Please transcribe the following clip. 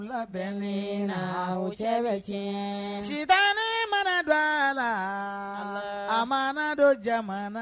Wula le la cɛ bɛ tiɲɛ sunjatatan mana don a la a madon jamana